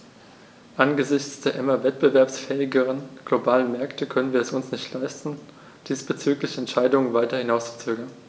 Angesichts der immer wettbewerbsfähigeren globalen Märkte können wir es uns nicht leisten, diesbezügliche Entscheidungen weiter hinauszuzögern.